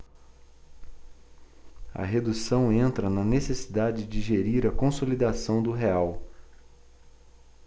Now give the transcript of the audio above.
a redução entra na necessidade de gerir a consolidação do real